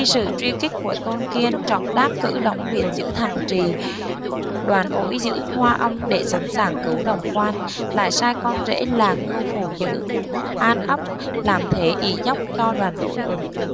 sự truy kích của tôn kiên đổng trác cử đổng việt giữ thằng trì đoàn ổi giữ hoa âm để sẵn sàng cứu đồng quan lại sai con rể là ngưu phụ giữ an ấp làm thế ỷ dốc cho đoàn ổi